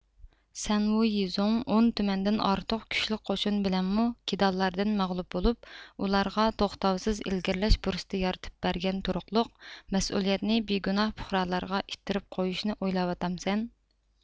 سەنۋۇيىزۇڭ ئون تۈمەندىن ئارتۇق كۈچلۈك قوشۇن بىلەنمۇ كىدانلاردىن مەغلۇپ بولۇپ ئۇلارغا توختاۋسىز ئىلگىرلەش پۇرسىتى يارىتىپ بەرگەن تۇرۇقلۇق مەسئۇليەتنى بىگۇناھ پۇقرالارغا ئىتتىرىپ قويۇشنى ئويلاۋاتامسەن